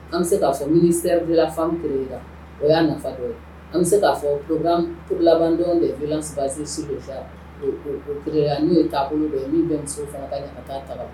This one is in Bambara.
An bɛ se k'a fɔ ministère de la femme créer la o y'a nafa dɔ ye, an bɛ se k'a fɔ programme pour l'abandon des violences basées sur la femme o o créer la n'o ye taabolo dɔ ye min bɛ musow fana ka ɲangata ta ka bɔ